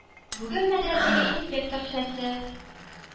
-бүген мәдрәсәгә инспектор төшәсе.